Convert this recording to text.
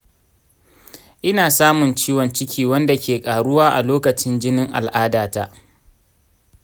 ina samun ciwon ciki wanda ke ƙaruwa a lokacin jinin al’adata.